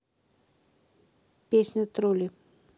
песня тролли